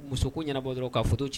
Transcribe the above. Musoko ɲɛnabɔ dɔrɔn k'a fɔ to ci.